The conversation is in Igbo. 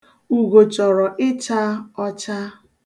Ugo chọrọ ịcha ọcha.